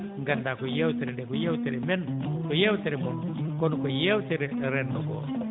nganndaa ko yeewtere ndee ko yeewtere men ko yeewtere mon kono ko yeewtere renndo ngoo